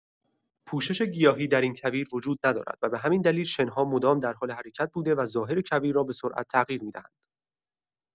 پوشش گیاهی در این کویر وجود ندارد و به همین دلیل شن‌ها مدام در حال حرکت بوده و ظاهر کویر را به‌سرعت تغییر می‌دهند.